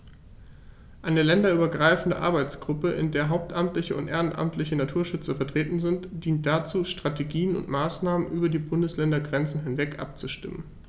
Eine länderübergreifende Arbeitsgruppe, in der hauptamtliche und ehrenamtliche Naturschützer vertreten sind, dient dazu, Strategien und Maßnahmen über die Bundesländergrenzen hinweg abzustimmen.